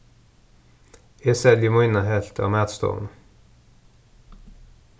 eg selji mína helvt av matstovuni